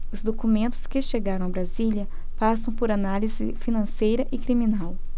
os documentos que chegaram a brasília passam por análise financeira e criminal